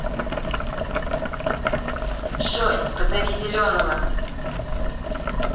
джой позови зеленого